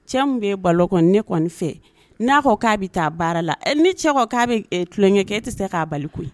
Cɛ min bɛ balo kɔnɔ ne kɔni fɛ n'a ko k'a bɛ taa baara la ni cɛ k'a bɛ tulonlonkɛ e tɛ se k'a bali koyi